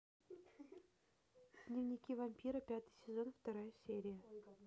дневники вампира пятый сезон вторая серия